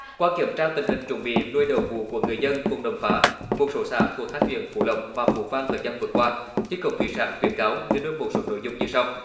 qua kiểm tra tình hình chuẩn bị nuôi đầu vụ của người dân vùng đầm phá một số xã thuộc hai huyện phú lộc và phú vang thời gian vừa qua chi cục thủy sản khuyến cáo người nuôi một số nội dung như sau